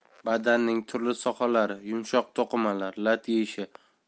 badanining turli sohalari yumshoq to'qimalari lat yeyishi